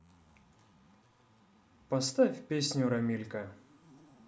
поставь песню рамилька